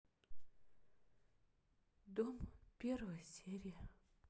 дом первая серия